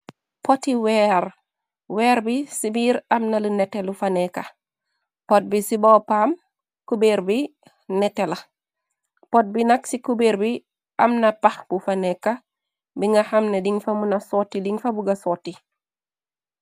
Poti weer weer bi ci biir amna lu neté lu faneeka pot bi ci boppa am kubeer bi netté la pot bi nag ci kubeer bi amna pax bu faneeka bi nga xamne liñ fa muna sooti liñ fa buga sooti.